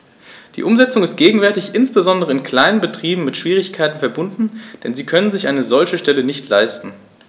Die Umsetzung ist gegenwärtig insbesondere in kleinen Betrieben mit Schwierigkeiten verbunden, denn sie können sich eine solche Stelle nicht leisten.